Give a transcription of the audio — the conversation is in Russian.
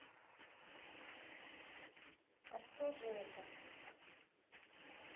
и что же это